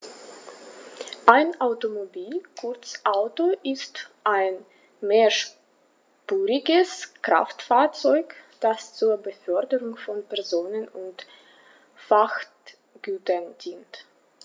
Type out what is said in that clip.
Ein Automobil, kurz Auto, ist ein mehrspuriges Kraftfahrzeug, das zur Beförderung von Personen und Frachtgütern dient.